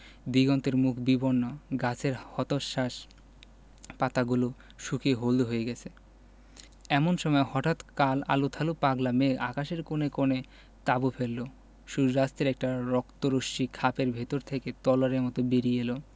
দিগন্তের মুখ বিবর্ণ গাছের হতাশ্বাস পাতাগুলো শুকিয়ে হলদে হয়ে গেছে এমন সময় হঠাৎ কাল আলুথালু পাগলা মেঘ আকাশের কোণে কোণে তাঁবু ফেললো সূর্য্যাস্তের একটা রক্ত রশ্মি খাপের ভেতর থেকে তলোয়ারের মত বেরিয়ে এল